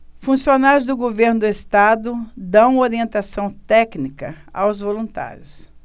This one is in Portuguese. funcionários do governo do estado dão orientação técnica aos voluntários